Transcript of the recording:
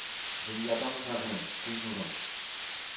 Дөньядамы бәгърем, күз нурым